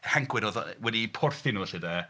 Hancwyn oedd wedi eu porthi nhw felly de.